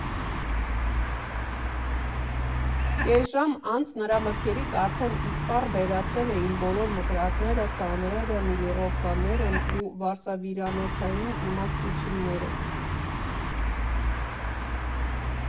Կես ժամ անց նրա մտքերից արդեն իսպառ վերացել էին բոլոր մկրատները, սանրերը, միլիռովկաներն ու վարսավիրանոցային իմաստությունները։